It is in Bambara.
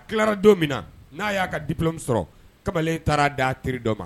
A tilara don min na n'a y'a ka dipi min sɔrɔ kamalen taara da a teriri dɔ kan